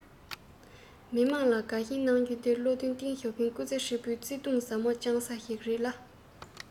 མི དམངས ལ དགའ ཞེན གནང རྒྱུ དེ བློ མཐུན ཏེང ཞའོ ཕིང སྐུ ཚེ ཧྲིལ པོའི བརྩེ དུང ཟབ མོ བཅངས ས ཞིག རེད ལ